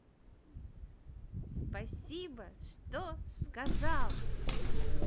спасибо что сказал